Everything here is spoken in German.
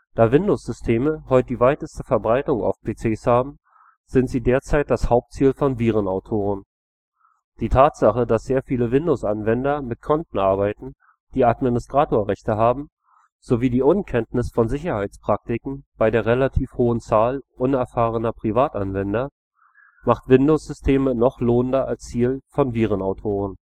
Da Windows-Systeme heute die weiteste Verbreitung auf PCs haben, sind sie derzeit das Hauptziel von Virenautoren. Die Tatsache, dass sehr viele Windows-Anwender mit Konten arbeiten, die Administratorrechte haben, sowie die Unkenntnis von Sicherheitspraktiken bei der relativ hohen Zahl unerfahrener Privatanwender macht Windows-Systeme noch lohnender als Ziel von Virenautoren